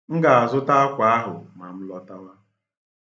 M ga-azụta akwa ahụ ma m lọtawa.